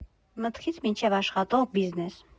Մտքից մինչև աշխատող բիզնես։